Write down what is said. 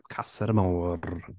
Caser Amor